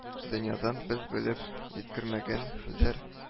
Дөньяда без белеп җиткермәгән хәлләр